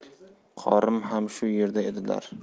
qorim ham shu yerda edilar